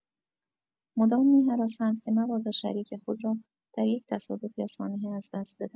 مدام می‌هراسند که مبادا شریک خود را در یک تصادف یا سانحه از دست بدهند.